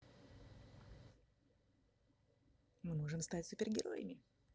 мы можем стать супергероями